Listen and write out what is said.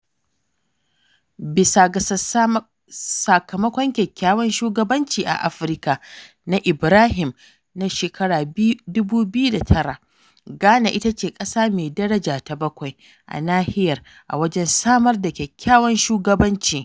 Bisa ga Sakamakon Kyakkyawan Shugabanci a Afirka na Ibrahim na 2009, Ghana ita ce ƙasa mai daraja ta bakwai a nahiyar a wajen samar da kyakkyawan shugabanci.